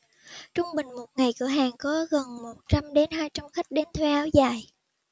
trung bình một ngày cửa hàng có gần một trăm đến hai trăm khách đến thuê áo dài